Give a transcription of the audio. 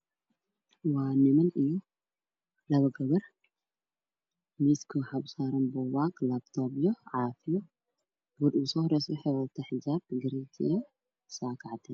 Waa niman io labo gabar miiska waxaa u saaran buugaag laabtoobyo caafiyo gabdha u soo horeeyso waxay wadataa xijaab garawaati io saako cadiina ah